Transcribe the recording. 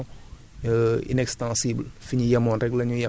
te suuf yi ñuy bay yokkuwul